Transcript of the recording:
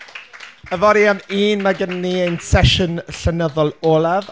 Yfory am un mae gennyn ni ein sesiwn llenyddol olaf.